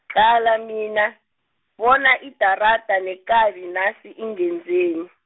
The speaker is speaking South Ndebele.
qala mina, bona idarada nekabi nasi ingenzeni.